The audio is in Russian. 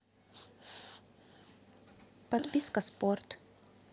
подписка спорт